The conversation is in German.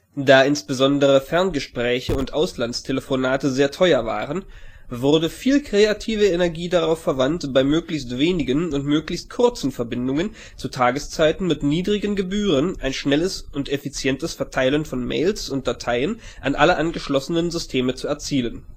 Da insbesondere Ferngespräche und Auslandstelefonate sehr teuer waren, wurde viel kreative Energie darauf verwandt, bei möglichst wenigen und möglichst kurzen Verbindungen zu Tageszeiten mit niedrigen Gebühren ein schnelles und effektives Verteilen von Mails und Dateien an alle angeschlossenen Systeme zu erzielen